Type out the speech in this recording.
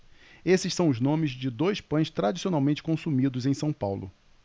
esses são os nomes de dois pães tradicionalmente consumidos em são paulo